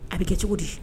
A bɛ kɛ cogo di?